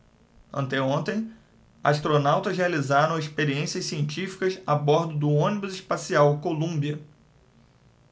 anteontem astronautas realizaram experiências científicas a bordo do ônibus espacial columbia